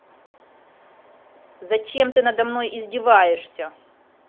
зачем ты надо мной издеваешься